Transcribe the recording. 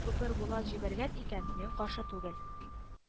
Күпер Булат җибәргән икән, мин каршы түгел